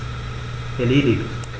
Erledigt.